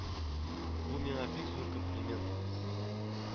Бу миңа бик зур комплимент-с